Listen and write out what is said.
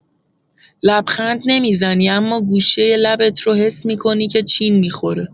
لبخند نمی‌زنی اما گوشۀ لبت رو حس می‌کنی که چین می‌خوره.